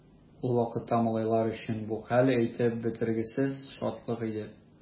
Ул вакытта малайлар өчен бу хәл әйтеп бетергесез шатлык иде.